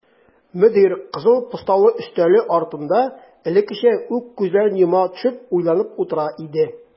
Мөдир кызыл постаулы өстәле артында элеккечә үк күзләрен йома төшеп уйланып утыра иде.